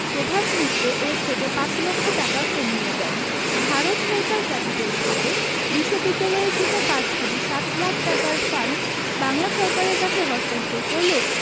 প্রভাস মিত্র এর থেকে পাঁচ লক্ষ টাকা কমিয়ে দেন ভারত সরকার ক্যাপিটেল খাতে বিশ্ববিদ্যালয়ের জন্য ৫ কোটি ৬০ লাখ টাকার ফান্ড বাংলা সরকারের কাছে হস্তান্তর করলেও